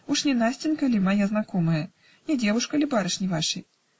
-- Уж не Настенька ли, моя знакомая, не девушка ли барышни вашей?